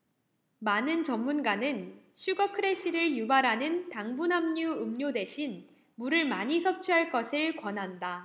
많은 전문가는 슈거 크래시를 유발하는 당분 함유 음료 대신 물을 많이 섭취할 것을 권한다